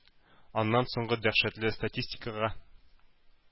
Аннан соңгы дәһшәтле статистикага,